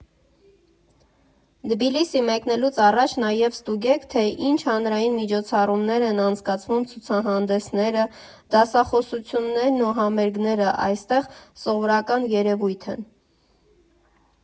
Թբիլիսի մեկնելուց առաջ նաև ստուգեք, թե ինչ հանրային միջոցառումներ են անցկացվում՝ ցուցահանդեսները, դասախոսություններն ու համերգներն այստեղ սովորական երևույթ են։